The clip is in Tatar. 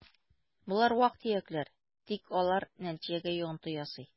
Болар вак-төякләр, тик алар нәтиҗәгә йогынты ясый: